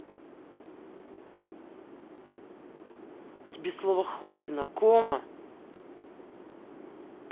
тебе слово хуй знакома